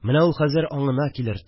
Менә ул хәзер аңына килер